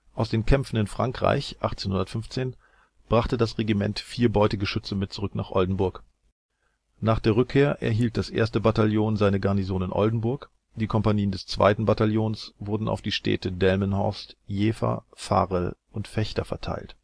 Aus den Kämpfen in Frankreich 1815 brachte das Regiment vier Beutegeschütze mit zurück nach Oldenburg. Nach der Rückkehr erhielt das erste Bataillon seine Garnison in Oldenburg. Die Kompanien des zweiten Bataillons wurden auf die Städte Delmenhorst, Jever, Varel und Vechta verteilt